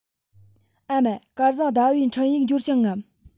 ཨ མ སྐལ བཟང ཟླ བའི འཕྲིན ཡིག འབྱོར བྱུང ངམ